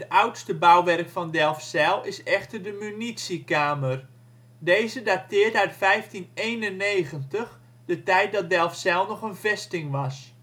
oudste bouwwerk van Delfzijl is echter de munitiekamer. Deze dateert uit 1591, de tijd dat Delfzijl nog een vesting was